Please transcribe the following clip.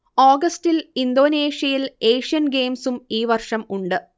ഓഗസ്റ്റിൽ ഇന്തോനേഷ്യയിൽ ഏഷ്യൻ ഗെയിംസും ഈവർഷം ഉണ്ട്